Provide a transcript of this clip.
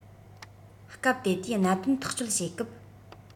སྐབས དེ དུས གནད དོན ཐག གཅོད བྱེད སྐབས